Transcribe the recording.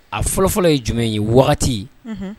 A fɔlɔfɔlɔ ye jumɛn ye wagati, unhun.